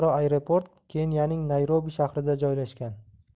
aeroport keniyaning nayrobi shahrida joylashgan